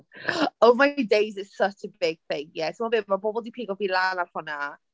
Oh my days is such a big thing ie. Timod be? Mae pobl 'di pigo fi lan ar hwnna.